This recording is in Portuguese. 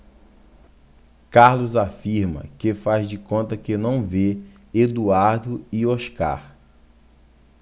carlos afirma que faz de conta que não vê eduardo e oscar